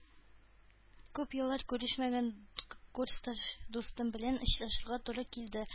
Күп еллар күрешмәгән курсташ дустым белән очрашырга туры килде